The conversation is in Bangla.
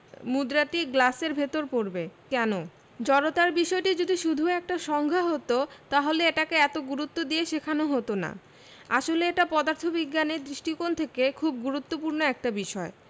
মুদ্রাটি গ্লাসের ভেতর পড়বে কেন জড়তার বিষয়টি যদি শুধু একটা সংজ্ঞা হতো তাহলে এটাকে এত গুরুত্ব দিয়ে শেখানো হতো না আসলে এটা পদার্থবিজ্ঞানের দৃষ্টিকোণ থেকে খুব গুরুত্বপূর্ণ একটা বিষয়